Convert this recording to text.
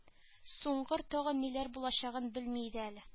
Суңгыр тагын ниләр булачагын белми иде әле